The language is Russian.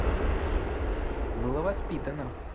было воспитанно